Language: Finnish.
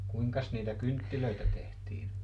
kuinkas niitä kynttilöitä tehtiin